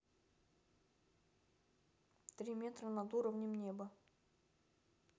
три метра над уровнем неба